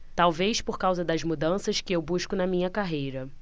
talvez por causa das mudanças que eu busco na minha carreira